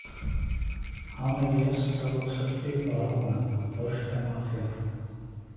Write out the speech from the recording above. Համ էլ ես, ցավոք սրտի, վարողն եմ, ոչ թե մաֆիան։